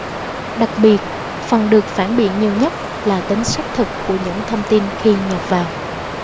đặc biệt phần được phản biện nhiều nhất là tính xác thực của những thông tin khi nhập vào